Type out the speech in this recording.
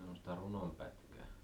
semmoista runonpätkää